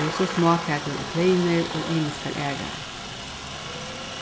og so smákakur og kleynur og ymiskar aðrar